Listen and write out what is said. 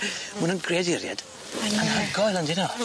Ma' nw'n greadured anhygoel on'd 'yn nw?